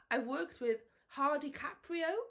I've worked with Hardy Caprio...